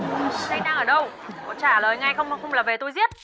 thế anh đang ở đâu có trả lời ngay không không là về tôi giết